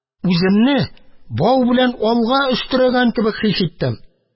Үземне бау белән алга өстерәгән кебек хис иттем.